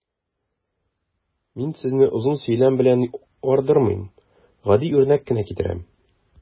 Мин сезне озын сөйләм белән ардырмыйм, гади үрнәк кенә китерәм.